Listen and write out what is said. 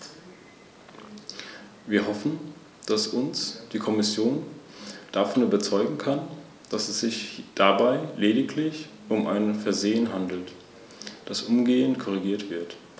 Gefordert werden deshalb auch die Erfassung dieser Aktivitäten in Form von Jahresberichten oder Betriebsanalysen und eventuell die Einbeziehung in die Zertifizierung nach ISO 9002.